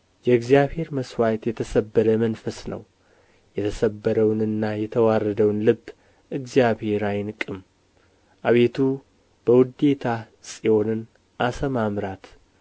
የእግዚአብሔር መሥዋዕት የተሰበረ መንፈስ ነው የተሰበርውንና የተዋረደውን ልብ እግዚአብሔር አይንቅም አቤቱ በውዴታህ ጽዮንን አሰማምራት